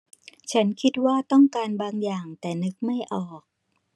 ฉันคิดว่าต้องการบางอย่างแต่นึกไม่ออก